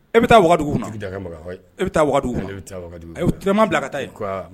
E bɛ taa wagadugu mun na yr? e bɛ taa wagadu Clema bila ka taa yen, pourquoi